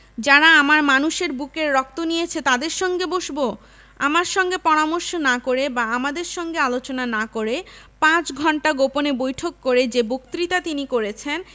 যারা আমার মানুষের বুকের রক্ত নিয়েছে তাদের সঙ্গে বসবো আমার সঙ্গে পরামর্শ না করে বা আমাদের সঙ্গে আলোচনা না করে পাঁচ ঘণ্টা গোপনে বৈঠক করে যে বক্তৃতা তিনি করেছেন